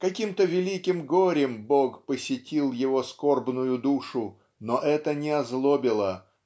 Каким-то великим горем Бог посетил его скорбную душу но это не озлобило